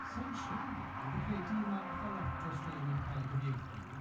Sa i'n siŵr rili. Fi credu mae eitha lot o straeon wedi cael eu cyfieithu.